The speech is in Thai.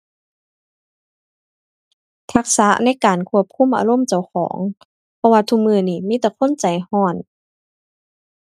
ทักษะในการควบคุมอารมณ์เจ้าของ เพราะว่าทุกมื้อนี้มีแต่คนใจร้อน